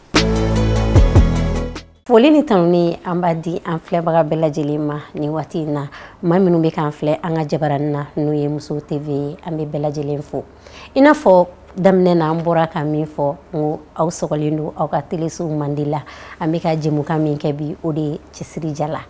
Pauloli ni ta an b di an filɛbaga bɛɛ lajɛlen ma ni waati in na maa minnu bɛ kan filɛ an ka jain na n' ye muso tɛ an bɛ bɛɛ lajɛlen fo i n'a fɔ daminɛ na an bɔra ka min fɔ n aw sogolen don aw ka teliso mande la an bɛka ka jɛ min kɛ bi o de cɛsirija la